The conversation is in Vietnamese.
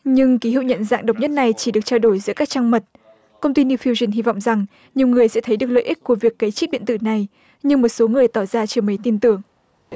nhưng ký hiệu nhận dạng độc nhất này chỉ được trao đổi giữa các trang mật công ty niu phi dừn hy vọng rằng nhiều người sẽ thấy được lợi ích của việc cấy chip điện tử này nhưng một số người tỏ ra chưa mấy tin tưởng